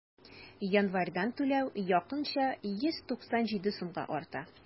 Январьдан түләү якынча 197 сумга арта.